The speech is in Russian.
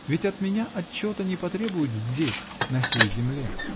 Ведь от меня отчета не потребуют здесь, на сей земле